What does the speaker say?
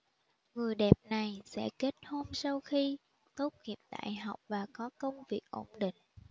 người đẹp này sẽ kết hôn sau khi tốt nghiệp đại học và có công việc ổn định